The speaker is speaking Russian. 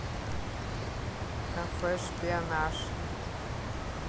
кафе шпионаж